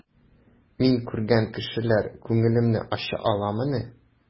Мин күргән кешеләр күңелемне ача аламыни?